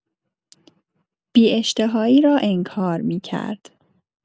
بی‌اشتهایی را انکار می‌کرد.